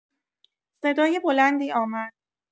صدای بلندی آمد.